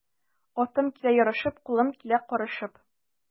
Атым килә ярашып, кулым килә карышып.